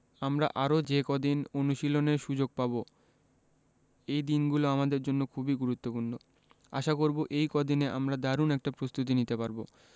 আমরা আরও যে কদিন অনুশীলনের সুযোগ পাব এই দিনগুলো আমাদের জন্য খুবই গুরুত্বপূর্ণ আশা করব এই কদিনে আমরা দারুণ একটা প্রস্তুতি নিতে পারব